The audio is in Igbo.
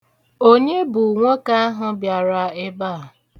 Onye bụ nwoke ahụ bịara ebe a?